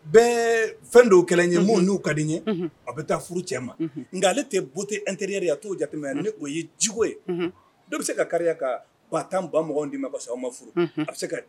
Bɛɛ fɛn dɔw kɛlɛ ye maaw n'u ka di ye a bɛ taa furu cɛ ma nka ale tɛ bute e terirre ye a t'o jate ne o ye cogo ye dɔw bɛ se ka ka ka ba tan ban d ma basi aw ma furu a bɛ se ka